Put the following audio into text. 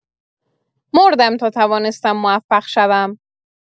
مردم تا توانستم موفق شوم